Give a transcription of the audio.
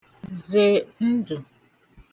zè ndụ̀